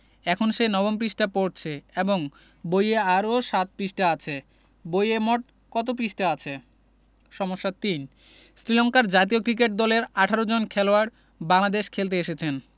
এখন সে নবম পৃষ্ঠা পড়ছে এবং বইয়ে আরও ৭ পৃষ্ঠা আছে বইয়ে মোট কত পৃষ্ঠা আছে সমস্যা ৩ শ্রীলংকার জাতীয় ক্রিকেট দলের ১৮ জন খেলোয়াড় বাংলাদেশ খেলতে এসেছেন